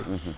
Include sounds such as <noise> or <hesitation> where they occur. <hesitation> <hesitation>